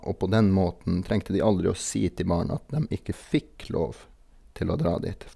Og på den måten trengte de aldri å si til barna at dem ikke fikk lov til å dra dit f.